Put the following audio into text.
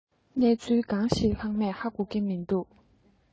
ལྷག མེད ཧ གོ མ བྱུང